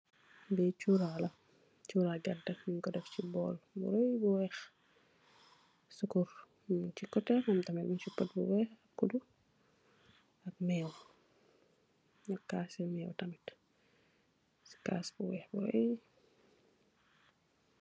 Li curala la, cura gerteh ñik ko dèf ci bóól bu rèy bu wèèx , sukurr mung ci koteh am tam mug ci pot bu wèèx bu gudu ak meew ci kas bu wèèx bu rèy.